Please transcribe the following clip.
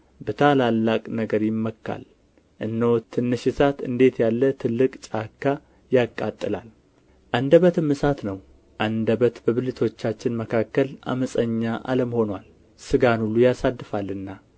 በታላላቅ ነገር ይመካል እነሆ ትንሽ እሳት እንዴት ያለ ትልቅ ጫካ ያቃጥላል አንደበትም እሳት ነው አንደበት በብልቶቻችን መካከል ዓመፀኛ ዓለም ሆኖአል ሥጋን ሁሉ ያሳድፋልና